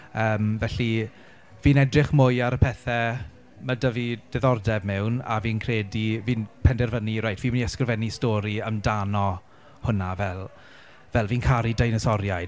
Yym felly fi'n edrych mwy ar y pethe ma' 'da fi diddordeb mewn a fi'n credu fi'n penderfynnu "reit fi'n mynd i ysgrifennu stori amdano hwnna fel fel fi'n caru deinosoriaid".